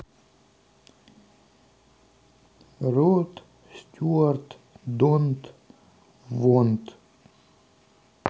род стюарт донт вонт